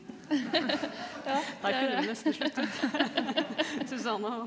ja det er det .